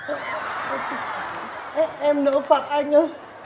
ớ ớ em nỡ phạt anh á